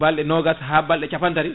balɗe nogas ha balɗe capan tati